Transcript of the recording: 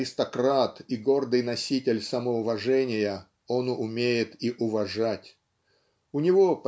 аристократ и гордый носитель самоуважения, он умеет и уважать. У него